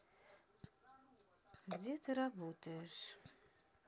где ты работаешь